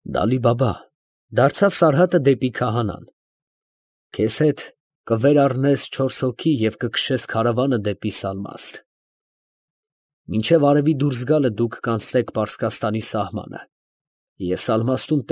Դալի֊Բաբա, ֊ դարձավ Սարհատը դեպի քահանան, ֊ քեզ հետ կվեր առնես չորս հոգի և կքշես քարավանը դեպի Սալմաստ. մինչև արևի դուրս գալը դուք կանցնեք Պարսկաստանի սահմանը, և Սալմաստում։